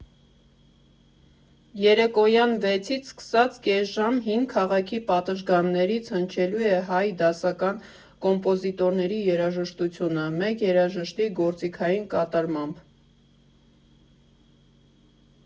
Երեկոյան վեցից սկսած կես ժամ հին քաղաքի պատշգամբներից հնչելու է հայ դասական կոմպոզիտորների երաժշտությունը՝ մեկ երաժշտի գործիքային կատարմամբ։